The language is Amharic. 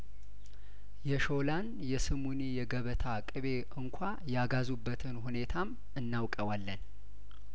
የሾላን የስሙኒ የገበታ ቅቤ እንኳ ያጋዙ በትን ሁኔታም እናውቀዋለን